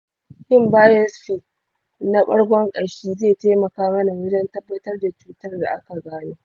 yin biopsy na ɓargon ƙashi zai taimaka mana wajen tabbatar da cutar da aka gano.